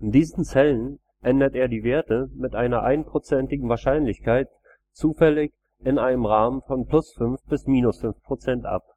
diesen Zellen ändert er die Werte mit einer einprozentigen Wahrscheinlichkeit zufällig in einem Rahmen von +5 bis −5 % ab